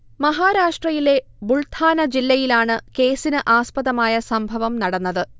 മഹാരാഷ്ട്രയിലെ ബുൾധാന ജില്ലയിലാണ് കേസിന് ആസ്പദമായ സംഭവം നടന്നത്